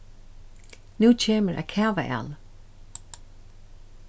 nú kemur eitt kavaæl